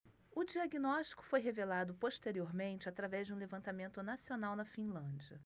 o diagnóstico foi revelado posteriormente através de um levantamento nacional na finlândia